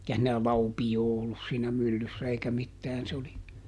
eikä siinä laupiota ollut siinä myllyssä eikä mitään se oli